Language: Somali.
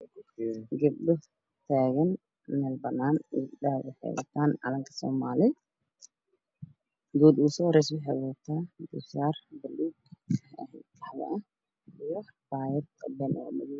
Gabdho taagan meel banaan gabdhaha waxay wataan calanka soomaali gabadha ugu soo horeyso waxay wadataa garbo saar baluug iyo cabaayad madow